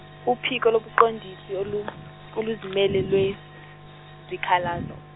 uPhiko loBuqondisi olu- oluziMele lweziKhalazo.